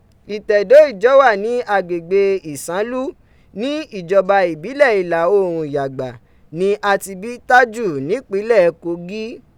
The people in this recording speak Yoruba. Itedo Ijowa ni Agbegbe Isanlu, ni ijọba ibilẹ Ila oorun Yagba ni a ti bi Tájù nipinlẹ Kogi.